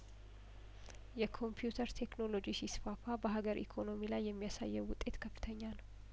የኮምፒውተር ቴክኖሎጂ ሲስፋፋ በሀገር ኢኮኖሚ ላይ የሚያሳየው ውጤት ከፍተኛ ነው